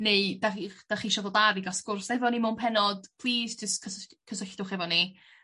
neu dach chi'ch da chi isio ddod dar i ga'l sgwrs efo ni mewn pennod plîs jys cysy- cysylltwch efo ni